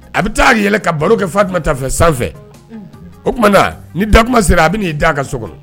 A bɛ taa ka yɛlɛ ka baro kɛ fatuma tafɛ sanfɛ o tumana ni da sera a bɛ'i da ka so kɔnɔ